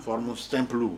Forme simple